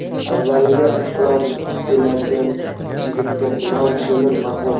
avvaliga uch quloch keladigan chigirtkasimon temir